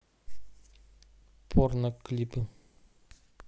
порно клипы